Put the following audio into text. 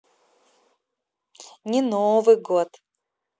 не новый год